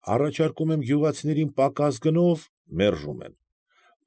Առաջարկում եմ գյուղացիներին պակաս գնով՝ մերժում են։